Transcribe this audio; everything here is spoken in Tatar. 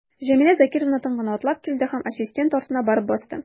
Җәмилә Закировна тын гына атлап килде һәм ассистент артына барып басты.